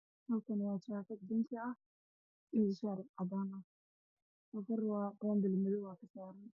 Halkaan waxaa yaalo baakad bingi ah iyo shaar cadaan ah, korna boonbalo madow ah kasaaran.